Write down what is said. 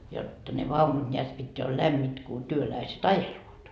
jotta ne vaunut näet pitää oli lämpimät kun työläiset ajelevat